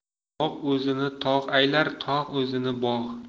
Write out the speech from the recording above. bog' o'zini tog' aylar tog' o'zini bog'